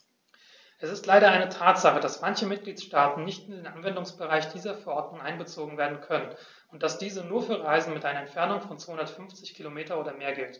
Es ist leider eine Tatsache, dass manche Mitgliedstaaten nicht in den Anwendungsbereich dieser Verordnung einbezogen werden können und dass diese nur für Reisen mit einer Entfernung von 250 km oder mehr gilt.